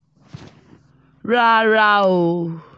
Rárá o.